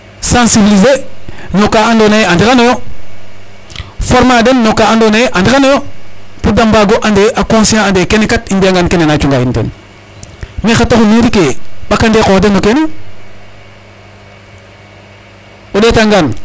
Sensibliser no ka andoona yee andiranooyo, former a den no ka andoona yee andiranooyo pour da mbaag o ande a conscient a ande kene kat i mbi'angaan kene na cunga in teen .Mais xar taxu mairie ke andee qoox den no kene.